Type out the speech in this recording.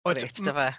O reit, dofe?